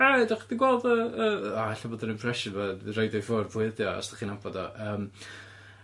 A 'dach chdi 'di gweld y yy o ella bod yr impression fo yn rhoid o i ffwrdd pwy ydi o os 'dach chi'n nabod o yym